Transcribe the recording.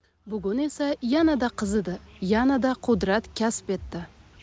bugun esa yanada qizidi yanada qudrat kasb etdi